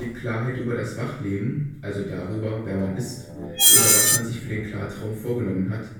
Klarheit über das Wachleben, also darüber, wer man ist oder was man sich für den Klartraum vorgenommen hat